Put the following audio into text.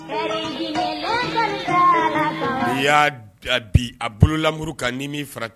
N'i y'a bin a bolo la muru kan n'i m'i farati